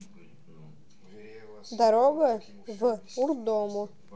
дорога в урдому